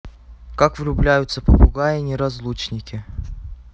как влюбляются попугаи неразлучники